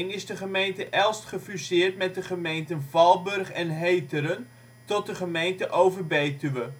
is de gemeente Elst gefuseerd met de gemeenten Valburg en Heteren tot de gemeente Overbetuwe